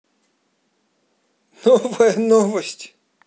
новая новость